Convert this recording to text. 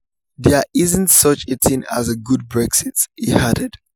There isn't such a thing as a good Brexit,' he added.